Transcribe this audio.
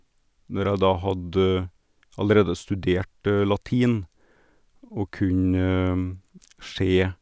Når jeg da hadde allerede studert latin, å kunne se...